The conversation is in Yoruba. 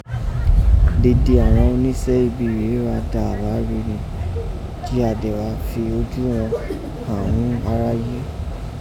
dede àghan onísẹ́ ibi rèé ra da àwárí rin jí a dẹ̀n ra fi ojúu wọn hàn ghun iráyé.